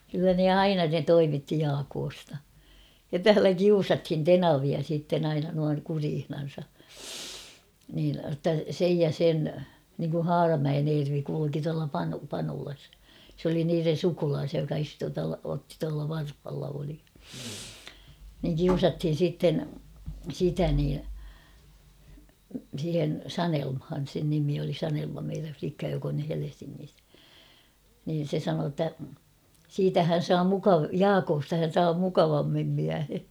kyllä ne aina ne toimitti Jaakosta ja täällä kiusattiin tenavia sitten aina noin kureissansa niin jotta sen ja sen niin kuin Haaramäen Ervi kulki tuolla - Panulassa se oli niiden sukulaisia joka sitten tuolta otti tuolla Varhalla oli niin kiusattiin sitten sitä niin siihen Sanelmaan sen nimi oli Sanelma meidän likka joka on nyt Helsingissä niin se sanoi että siitä hän saa - Jaakosta hän saa mukavammin miehen